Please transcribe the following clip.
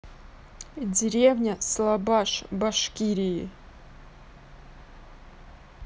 деревня слабаш башкирии